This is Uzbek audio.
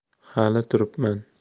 hali turibman